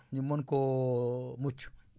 ñu mën koo mucc